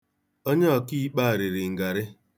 Onye ọkiikpe a riri ngarị.